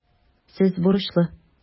Сез бурычлы.